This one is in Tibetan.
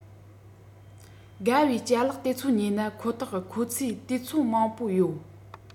དགའ བའི ཅ ལག དེ ཚོ ཉོས ན ཁོ ཐག ཁོ ཚོས དུས ཚོད མང པོ ཡོད